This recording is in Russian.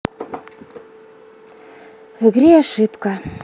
в игре ошибка